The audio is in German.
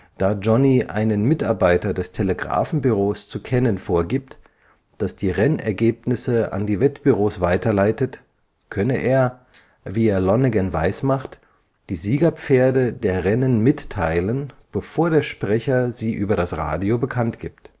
Da Johnny einen Mitarbeiter des Telegrafenbüros zu kennen vorgibt, das die Rennergebnisse an die Wettbüros weiterleitet, könne er – wie er Lonnegan weismacht – die Siegerpferde der Rennen mitteilen, bevor der Sprecher sie über das Radio bekanntgibt